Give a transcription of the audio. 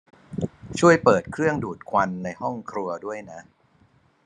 ช่วยเปิดเครื่องดูดควันในห้องครัวด้วยนะ